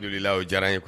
Donla o diyara ye